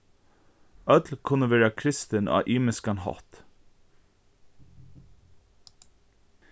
øll kunnu vera kristin á ymiskan hátt